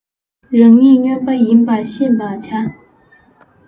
རང ཉིད སྨྱོན པ ཡིན པར ཤེས པར བྱ